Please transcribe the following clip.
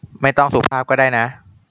ไม่ต้องสุภาพก็ได้นะ